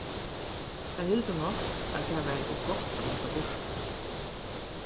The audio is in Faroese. teir hildu nokk at tað var ov gott at blaka burtur